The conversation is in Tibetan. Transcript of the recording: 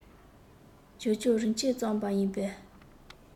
ཇོ ཇོ རིན ཆེན རྩམ པ ཡིན པས